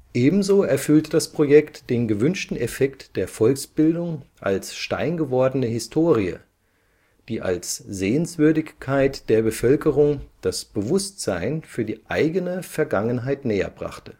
Ebenso erfüllte das Projekt den gewünschten Effekt der Volksbildung als steingewordene Historie, die als Sehenswürdigkeit der Bevölkerung das Bewusstsein für die eigene Vergangenheit näher brachte